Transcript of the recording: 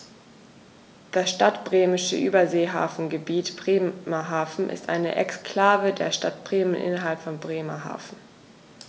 Das Stadtbremische Überseehafengebiet Bremerhaven ist eine Exklave der Stadt Bremen innerhalb von Bremerhaven.